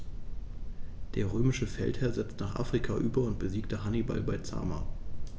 Der römische Feldherr setzte nach Afrika über und besiegte Hannibal bei Zama.